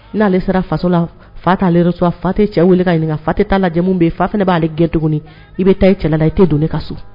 N'ale sera faso la fa t'ale reçoit fa tɛ cɛ wele k'a ɲininka, fa t'ale ɲinika fana; fa tɛ ta'a lajɛ min bɛ yen , fa b'ale gɛn tuguni i bɛ taa i cɛla la, i tɛ don ne ka so !